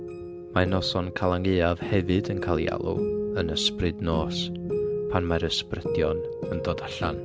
Mae noson Calan Gaeaf hefyd yn cael ei alw yn ysbryd nos, pan mae'r ysbrydion yn dod allan.